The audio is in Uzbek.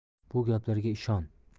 bu gaplarga ishon